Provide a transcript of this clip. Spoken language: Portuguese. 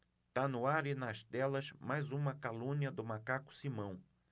tá no ar e nas telas mais uma calúnia do macaco simão